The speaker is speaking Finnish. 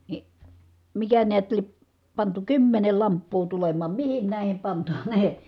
niin mikä näet lie pantu kymmenen lamppua tulemaan mihin näihin pantaneen